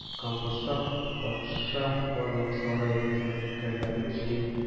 Кампорсак патша барлык сарай хезмәткәрләрен җыеп